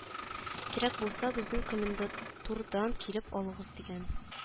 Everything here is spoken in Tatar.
Кирәк булса безнең комендатурадан килеп алыгыз дигән